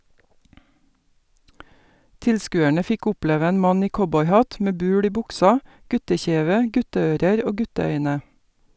Tilskuerne fikk oppleve en mann i cowboy-hatt, med bul i buksa , guttekjeve, gutteører og gutteøyne.